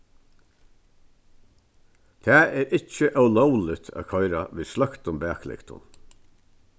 tað er ikki ólógligt at koyra við sløktum baklyktum